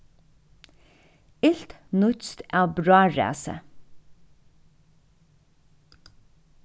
ilt nýtst av bráðræsi